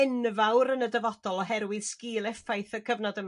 enfawr yn y dyfodol oherwydd sgil-effaith y cyfnod yma.